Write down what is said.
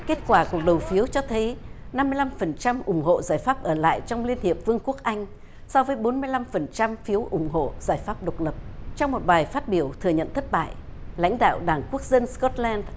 kết quả cuộc đầu phiếu cho thấy năm mươi lăm phần trăm ủng hộ giải pháp ở lại trong liên hiệp vương quốc anh so với bốn mươi lăm phần trăm phiếu ủng hộ giải pháp độc lập trong một bài phát biểu thừa nhận thất bại lãnh đạo đảng quốc dân sờ cốt len